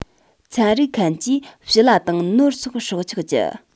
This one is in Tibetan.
ཚན རིག མཁན གྱིས ཞི ལ དང ནོར སོགས སྲོག ཆགས ཀྱི